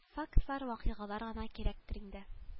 Фактлар вакыйгалар гына кирәктер инде